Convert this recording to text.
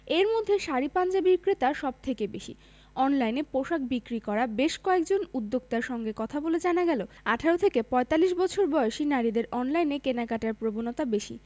এর মধ্যে শাড়ি পাঞ্জাবির ক্রেতা সব থেকে বেশি অনলাইনে পোশাক বিক্রি করা বেশ কয়েকজন উদ্যোক্তার সঙ্গে কথা বলে জানা গেল ১৮ থেকে ৪৫ বছর বয়সী নারীদের অনলাইনে কেনাকাটার প্রবণতা বেশি